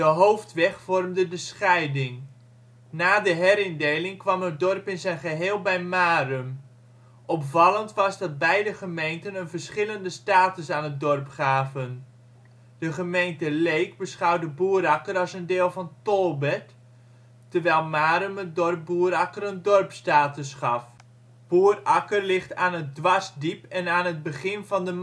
Hoofdweg vormde de scheiding. Na de herindeling kwam het dorp in zijn geheel bij Marum. Opvallend was dat beide gemeenten een verschillende status aan het dorp gaven. De gemeente Leek beschouwde Boerakker als een deel van Tolbert, terwijl Marum het dorp Boerakker een dorpsstatus gaf. Boerakker ligt aan het Dwarsdiep en aan het begin van de